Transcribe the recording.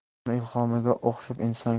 uni ilhomiga o'xshab insonga